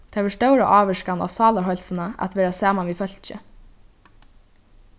tað hevur stóra ávirkan á sálarheilsuna at vera saman við fólki